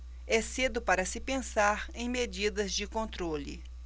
é cedo para se pensar em medidas de controle